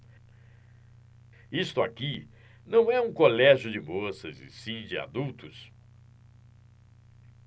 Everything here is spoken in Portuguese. isto aqui não é um colégio de moças e sim de adultos